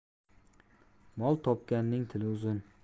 mol topganning tili uzun